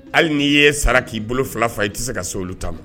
Hali ni ye sara ki bolo fila fa i ti se ka so olu ta ma.